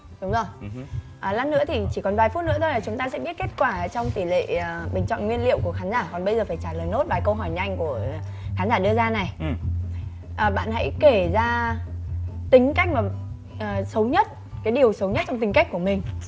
đúng rồi ờ lát nữa thì chỉ còn vài phút nữa thôi là chúng ta sẽ biết kết quả trong tỉ lệ bình chọn nguyên liệu của khán giả còn bây giờ phải trả lời nốt vài câu hỏi nhanh của khán giả đưa ra này bạn hãy kể ra tính cách xấu nhất cái điều xấu nhất trong tính cách của mình